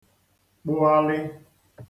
kpughalị̄